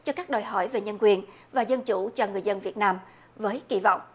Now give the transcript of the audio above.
cho các đòi hỏi về nhân quyền và dân chủ cho người dân việt nam với kỳ vọng